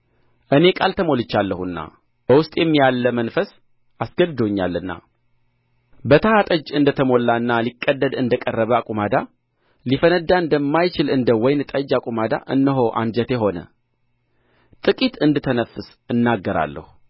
እኔ ቃል ተሞልቻለሁና በውስጤም ያለ መንፈስ አስገድዶኛልና በተሐ ጠጅ እንደ ተሞላና ሊቀደድ እንደ ቀረበ አቁማዳ ሊፈነዳ እንደማይችል እንደ ወይን ጠጅ አቁማዳ እነሆ አንጀቴ ሆነ ጥቂት እንድተነፍስ እናገራለሁ